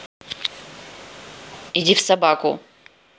иди в собаку